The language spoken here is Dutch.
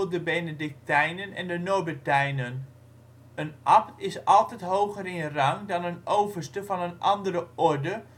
de Benedictijnen en de Norbertijnen). Een abt is altijd hoger in rang dan een overste van een andere orde